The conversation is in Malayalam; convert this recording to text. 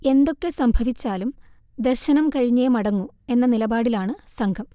എന്തൊക്കെ സംഭവിച്ചാലും ദർശനം കഴിഞ്ഞേമടങ്ങൂ എന്ന നിലപാടിലാണ് സംഘം